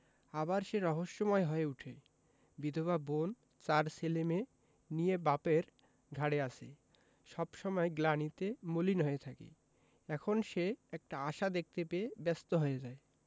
আবার সে রহস্যময় হয়ে উঠে বিধবা বোন চার ছেলেমেয়ে নিয়ে বাপের ঘাড়ে আছে সব সময় গ্লানিতে মলিন হয়ে থাকে এখন সে একটা আশা দেখতে পেয়ে ব্যস্ত হয়ে যায়